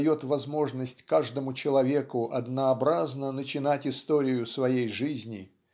дает возможность каждому человеку однообразно начинать историю своей жизни